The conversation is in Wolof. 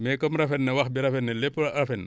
mais comme rafet na wax bi rafet na lépp rafet na